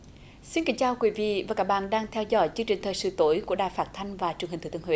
xin kính chào quý vị và các bạn đang theo dõi chương trình thời sự tối của đài phát thanh và truyền hình thừa thiên huế